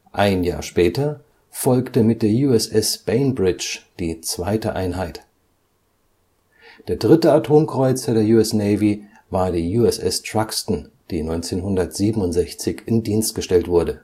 Ein Jahr später folgte mit der USS Bainbridge (CGN-25) die zweite Einheit. Der dritte Atomkreuzer der US Navy war die USS Truxtun (CGN-35), die 1967 in Dienst gestellt wurde